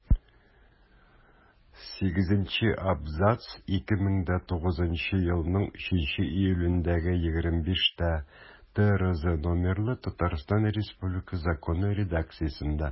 Сигезенче абзац 2009 елның 3 июлендәге 25-ТРЗ номерлы Татарстан Республикасы Законы редакциясендә.